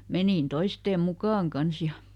menin toisten mukaan kanssa ja